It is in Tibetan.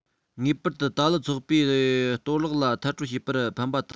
ངེས པར དུ ཏཱ ལའི ཚོགས པས གཏོར བརླག ལ མཐར སྤྲོད བྱེད པར ཕན པ དང